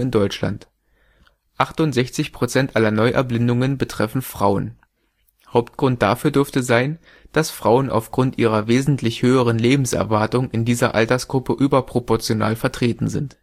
Deutschland. 68 % aller Neuerblindungen betreffen Frauen. Hauptgrund dafür dürfte sein, dass Frauen aufgrund ihrer wesentlich höheren Lebenserwartung in dieser Altersgruppe überproportional vertreten sind